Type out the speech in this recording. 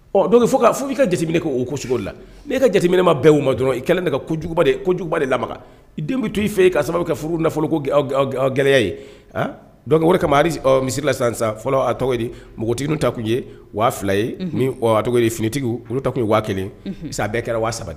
Ɔ donke fo fo k' i ka jateminɛ k' o ko sogo la n' e ka jateminma bɛɛ u ma dɔrɔn i kɛlen ne ka ko kojuguba ko kojuguba de la den bɛ to' fɛ yen e ka sababu ka furu nafolo ko gɛlɛya ye aa dɔgɔkɛ wɛrɛ kamari misila sisan san fɔlɔ a tɔgɔ npogotini ta tun ye waa fila ye ni tɔgɔ finitigiw olu ta tun ye waa kelen sa bɛɛ kɛra waa saba